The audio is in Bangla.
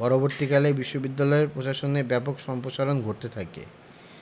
পরবর্তীকালে বিশ্ববিদ্যালয় প্রশাসনে ব্যাপক সম্পসারণ ঘটতে থাকে